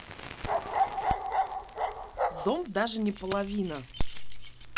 зомб даже не половина